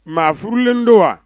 Maaf furulen don wa